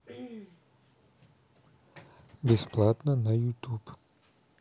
бесплатно на ютуб